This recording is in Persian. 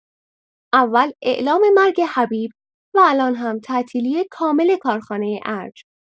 اول اعلام مرگ حبیب و الان هم تعطیلی کامل کارخانه ارج!